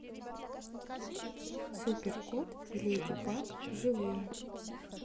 супер кот и леди баг живые